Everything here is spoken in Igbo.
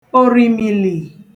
òrìmìlì